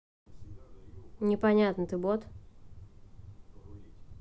не понятно ты бот